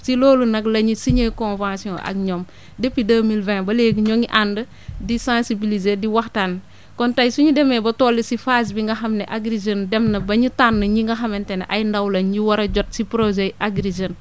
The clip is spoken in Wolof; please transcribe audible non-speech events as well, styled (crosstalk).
si loolu nag la ñu (noise) signé convention ak ñoom (breath) depuis deux mille vingt ba léegi ñu ngi ànd di sensibiliser di waxtaan kon tey su ñu demee ba toll si phase bi nga xam ne Agri Jeunes (noise) dem na ba ñu tànn ñi nga xamante ne ay ndaw lañ ñu war a jot si projet Agri Jeunes